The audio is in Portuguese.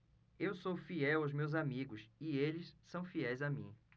eu sou fiel aos meus amigos e eles são fiéis a mim